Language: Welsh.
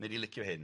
Nei di licio hyn.